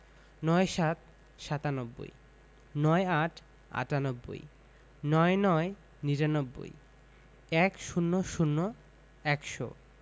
৯৭ – সাতানব্বই ৯৮ - আটানব্বই ৯৯ - নিরানব্বই ১০০ – একশো